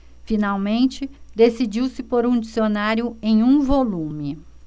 finalmente decidiu-se por um dicionário em um volume